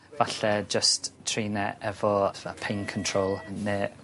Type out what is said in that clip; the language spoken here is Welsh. Falle jyst trin e efo 'tha pain control ne'